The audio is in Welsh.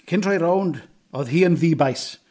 Cyn troi rownd, oedd hi yn ddi-bais.